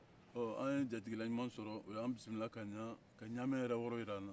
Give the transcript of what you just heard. ɔ an ye jatigila ɲuma sɔrɔ o y'an bisimila ka ɲɛ ka ɲame yɛrɛ yɔrɔ jir'an na